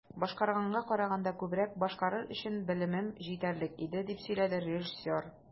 "башкарганга караганда күбрәк башкарыр өчен белемем җитәрлек иде", - дип сөйләде режиссер.